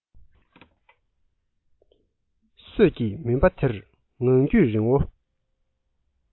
སྲོད ཀྱི མུན པ དེར ངང རྒྱུད རིང བོ